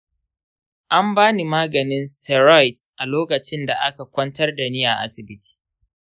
an ba ni maganin steroids a lokacin da aka kwantar da ni a asibiti.